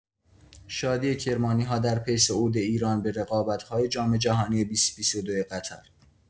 شادی کرمانی‌ها در پی صعود ایران به رقابت‌های جام‌جهانی ۲۰۲۲ قطر